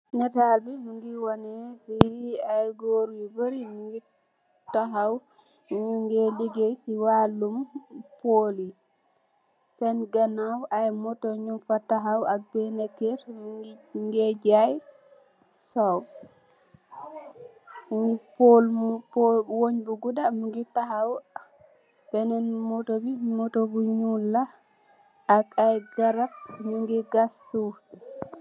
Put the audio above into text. Nataal bi mu ngi wanne, goor yu bërri, ñu ngee lgeey si waalum pool yi. Seen ganaaw ay motto ñung fa taxaw, ak beenë ker, ñu ngee jaay soow. Pool, pool, wéñge bu gudda mu ngi taxaw, beenen motto bi motto bu ñuul la ak ay garab gas sul